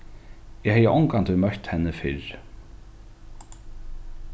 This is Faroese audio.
eg hevði ongantíð møtt henni fyrr